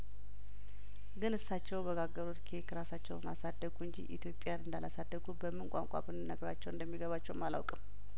ግን እሳቸው በጋገሩት ኬክ እራሳቸውን አሳደጉ እንጂ ኢትዮጵያን እንዳላሳደጉ በምን ቋንቋ ብነግራቸው እንደሚገባቸውም አላውቅም